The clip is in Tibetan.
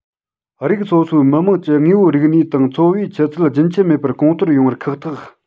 རིགས སོ སོའི མི དམངས ཀྱི དངོས པོའི རིག གནས དང འཚོ བའི ཆུ ཚད རྒྱུན ཆད མེད པར གོང མཐོར ཡོང བར ཁག ཐེག